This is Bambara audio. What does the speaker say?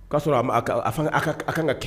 K ka'a sɔrɔ ka kan ka kɛ